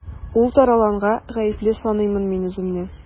Ул таралганга гаепле саныймын мин үземне.